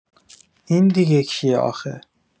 این دیگه کیه آخه؟